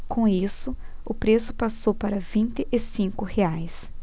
com isso o preço passou para vinte e cinco reais